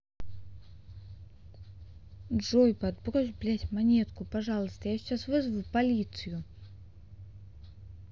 джой подбрось блядь монетку пожалуйста я сейчас вызову полицию